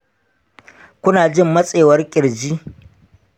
kuna jin matsewar ƙirji?